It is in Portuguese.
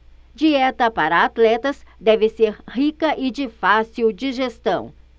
dieta para atletas deve ser rica e de fácil digestão